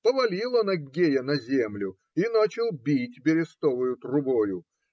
повалил он Аггея на землю и начал бить берестовою трубою.